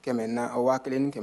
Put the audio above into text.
Kɛmɛ n' a waa kelen ni kɛmɛ